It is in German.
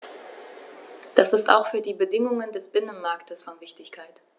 Das ist auch für die Bedingungen des Binnenmarktes von Wichtigkeit.